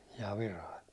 ja Virai